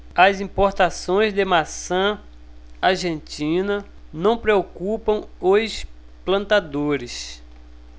as importações de maçã argentina não preocupam os plantadores